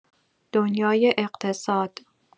دنیای اقتصاد